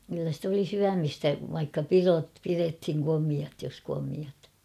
kyllä sitä oli syömistä vaikka pidot pidettiin komeat jos komeat